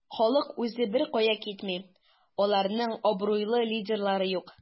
Халык үзе беркая китми, аларның абруйлы лидерлары юк.